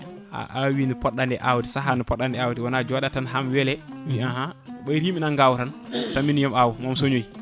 a awi nde poɗɗa nde awde sahade poɗɗa nde awde wona joɗade tan haami weele ahan ɓayde imɓe nana gawa tan tan minne yoomi awmomi soñoy